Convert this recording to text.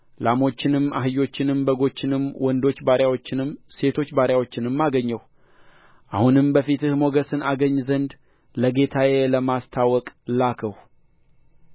ላሞችንም አህዮችንም በጎችን ወንዶች ባሪያዎችንም ሴቶች ባሪያዎችንም አገኘሁ አሁንም በፊትህ ሞገስን አገኝ ዘንድ ለጌታዬ ለማስታወቅ ላክሁ